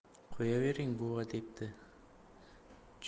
qo'yavering buva deydi